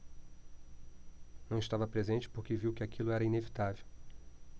não estava presente porque viu que aquilo era inevitável